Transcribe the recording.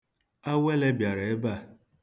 Awele bịara ebe a.